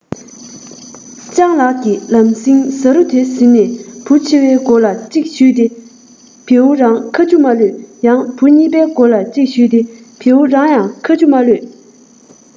སྤྱང ལགས ཀྱིས ལམ སེང བཟའ རུ དེ ཟིན ནས བུ ཆེ བའི མགོ ལ གཅིག ཞུས ཏེ བེའུ རང ཁ ཆུ མ གློད ཡང བུ གཉིས པའི མགོ ལ གཅིག ཞུས ཏེ བེའུ རང ཁ ཆུ མ གློད